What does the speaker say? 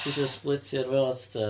'Ti isio splitio'r votes ta?